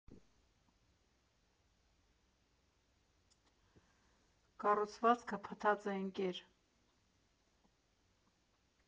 Կառուցվածքը փտած է, ընկեր։